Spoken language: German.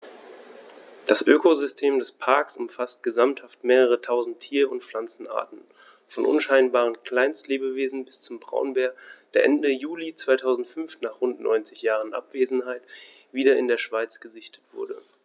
Das Ökosystem des Parks umfasst gesamthaft mehrere tausend Tier- und Pflanzenarten, von unscheinbaren Kleinstlebewesen bis zum Braunbär, der Ende Juli 2005, nach rund 90 Jahren Abwesenheit, wieder in der Schweiz gesichtet wurde.